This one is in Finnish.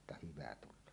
minä että hyvä tulee